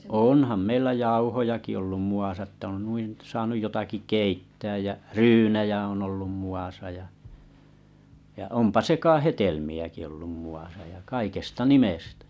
onhan meillä jauhojakin ollut muassa että on noin saanut jotakin keittää ja ryynejä on ollut muassa ja ja onpa sekahedelmiäkin ollut muassa ja kaikesta nimestä